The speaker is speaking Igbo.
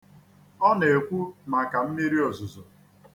Ọ na-ekwu maka mmiriozuzo.